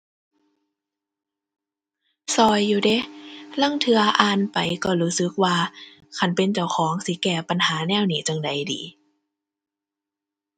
ช่วยอยู่เดะ ลางเทื่ออ่านไปก็รู้สึกคันเป็นเจ้าของสิแก้ปัญหาแนวนี้จั่งใดดี